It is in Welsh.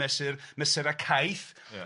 ...mesur, mesura' caeth... Ia